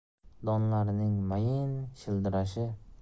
donalarining mayin shildirashi